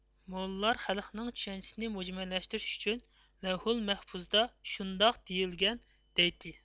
موللىلار خەلقنىڭ چۈشەنچىسىنى مۈجمەللەشتۈرۈش ئۈچۈن لەۋھۇلمەھپۇزدا شۇنداق دېيىلگەن دەيتتى